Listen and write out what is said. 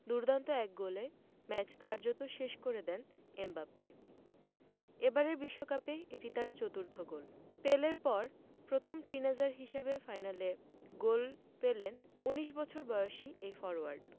দুর্দান্ত এক গোলে ম্যাচ কার্যত শেষ করে দেন এমবাপ্পে এবারের বিশ্বকাপে এটি তার চতুর্থ গোল পেলের পর প্রথম টিনএজার হিসেবে ফাইনালে গোল পেলেন ১৯ বছর বয়সী এই ফরোয়ার্ড